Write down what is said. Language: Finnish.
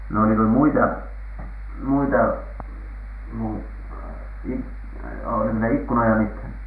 no oliko muita muita -- oliko siinä ikkunoita mitään